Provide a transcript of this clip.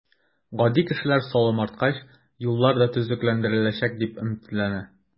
Гади кешеләр салым арткач, юллар да төзекләндереләчәк, дип өметләнә.